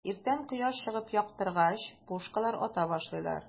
Иртән кояш чыгып яктыргач, пушкалар ата башлыйлар.